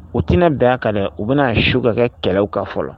U tɛna da kan dɛ u bɛna su ka kɛ kɛlɛ ka fɔ